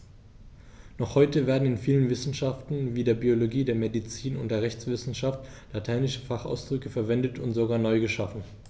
Noch heute werden in vielen Wissenschaften wie der Biologie, der Medizin und der Rechtswissenschaft lateinische Fachausdrücke verwendet und sogar neu geschaffen.